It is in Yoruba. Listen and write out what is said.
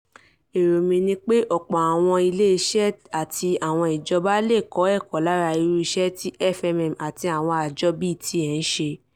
Èrò mi ni pé ọ̀pọ̀ àwọn ilé-iṣẹ́ àti àwọn ìjọba lè kọ́ ẹ̀kọ́ lára irú iṣẹ́ tí FMM àti àwọn àjọ bíi tiẹ̀ ń ṣe.